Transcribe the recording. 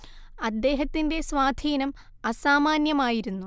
അദ്ദേഹത്തിന്റെ സ്വാധീനം അസാമാന്യമായിരുന്നു